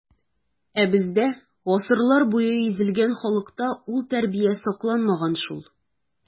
Ә бездә, гасырлар буе изелгән халыкта, ул тәрбия сакланмаган шул.